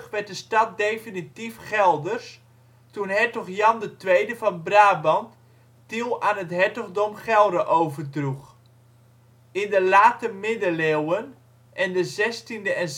werd de stad definitief Gelders, toen hertog Jan II van Brabant Tiel aan het hertogdom Gelre overdroeg. In de late middeleeuwen en de zestiende en